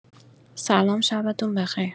سلام شبتون بخیر